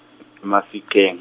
e- Mafikeng.